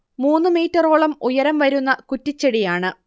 മൂന്നു മീറ്ററോളം ഉയരം വരുന്ന കുറ്റിച്ചെടിയാണ്